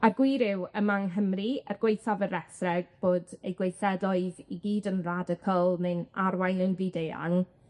A'r gwir yw, yma yng Nghymru, er gwaethaf y rhethreg bod ei gweithredoedd i gyd yn radical neu'n arwain yn fyd-eang,